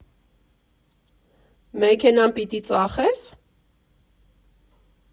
Մեքենան պիտի ծախե՞ս։